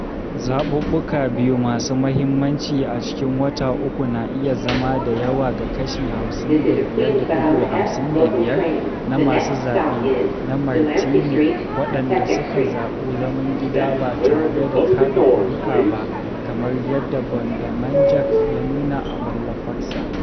Zaɓuɓɓuka biyu masu mahimmanci a cikin wata uku na iya zama da yawa ga kashi 55.55% na masu zaɓe na Martinique waɗanda suka zaɓi zaman gida ba tare da kaɗa ƙuri’a ba, kamar yadda Bondamanjak ya nuna a wallafarsa [Fr].